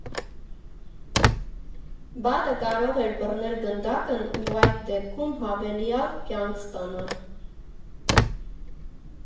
Բադը կարող էր բռնել գնդակն ու այդ դեպքում հավելյալ «կյանք» ստանալ։